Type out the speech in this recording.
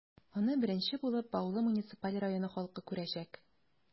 Аны беренче булып, Баулы муниципаль районы халкы күрәчәк.